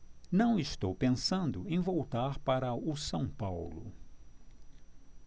não estou pensando em voltar para o são paulo